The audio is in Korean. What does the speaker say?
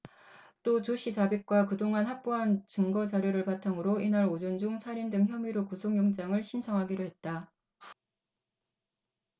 또 조씨 자백과 그동안 확보한 증거 자료를 바탕으로 이날 오전 중 살인 등 혐의로 구속영장을 신청키로 했다